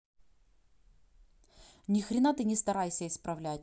нихрена ты не старайся исправлять